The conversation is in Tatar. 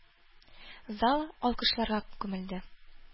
Зал алкышларга күмелде.